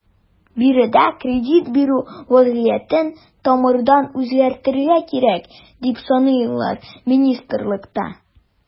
Биредә кредит бирү вәзгыятен тамырдан үзгәртергә кирәк, дип саныйлар министрлыкта.